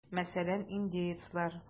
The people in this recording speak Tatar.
Мәсәлән, индеецлар.